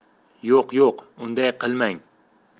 yo'q yo'q unday qilmang